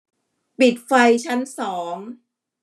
ปิดไฟชั้นสอง